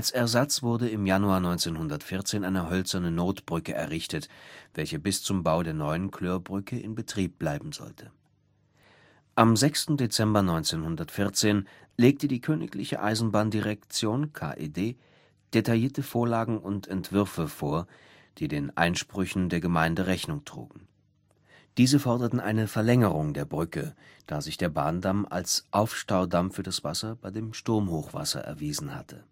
Ersatz wurde im Januar 1914 eine hölzerne Notbrücke errichtet, die bis zum Bau der neuen Kloerbrücke in Betrieb bleiben sollte. Am 6. September 1914 legte die Königliche Eisenbahndirektion (KED) detaillierte Vorlagen und Entwürfe vor, die den Einsprüchen der Gemeinden Rechnung trug. Diese forderten eine Verlängerung der Brücke, da sich der Bahndamm als Aufstaudamm für das Wasser bei dem Sturmhochwasser erwiesen hatte